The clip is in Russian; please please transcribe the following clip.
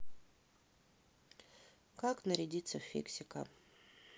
как нарядится в фиксика